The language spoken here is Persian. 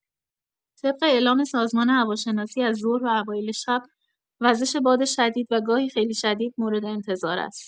طبق اعلام سازمان هواشناسی از ظهر و اوایل شب، وزش باد شدید و گاهی خیلی شدید مورد انتظار است.